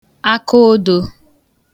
aka odō